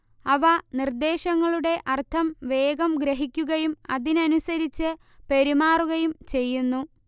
അവ നിർദ്ദേശങ്ങളുടെ അർത്ഥം വേഗം ഗ്രഹിക്കുകയും അതിനനുസരിച്ച് പെരുമാറുകയും ചെയ്യുന്നു